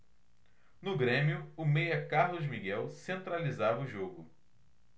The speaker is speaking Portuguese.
no grêmio o meia carlos miguel centralizava o jogo